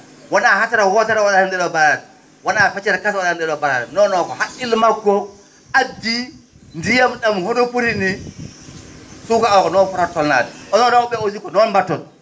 wonaa hatere wootere o wa?ata e nde ?o barlaade wonaa feccere kas o wa?ata e nde ?o barlaade non non :fa ko haqqille makko addi ndiyam ?am hono foti ni sukara o ko noon fotata toolnaade onon rew?e ?e aussi ko noon mba?oton